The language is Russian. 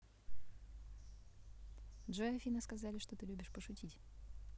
джой и афина сказали что ты любишь пошутить